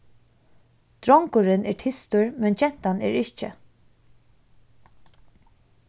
drongurin er tystur men gentan er ikki